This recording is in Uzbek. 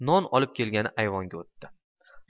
non olib kelgani ayvonga o'tdi